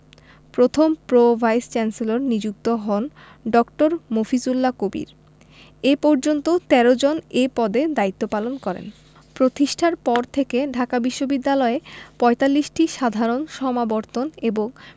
প্রথম pro vice chancellor নিযুক্ত হন ড. মফিজুল্লাহ কবির এ পর্যন্ত ১৩ জন এ পদে দায়িত্বপালন করেন প্রতিষ্ঠার পর থেকে ঢাকা বিশ্ববিদ্যালয়ে ৪৫টি সাধারণ সমাবর্তন এবং